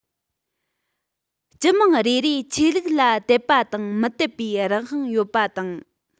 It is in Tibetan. སྤྱི དམངས རེ རེར ཆོས ལུགས ལ དད པ དང མི དད པའི རང དབང ཡོད པ དང